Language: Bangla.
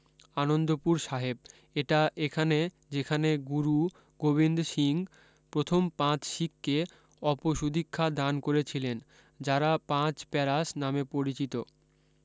আনন্দপুর সাহেব এটা এখানে যেখানে গুরু গোবিন্দ সিং প্রথম পাঁচ শিখকে অপসুদীক্ষা দান করেছিলেন যারা পাঁচ প্যারাস নামে পরিচিত